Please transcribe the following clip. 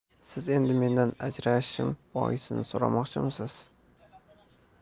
siz endi mendan ajralishim boisini so'ramoqchisiz